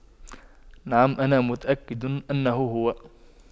نعم أنا متأكد أنه هو